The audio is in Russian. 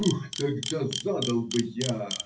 Ух, тогда задал бы я!.